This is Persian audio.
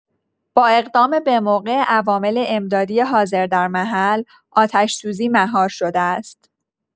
با اقدام به‌موقع عوامل امدادی حاضر در محل، آتش‌سوزی مهار شده است.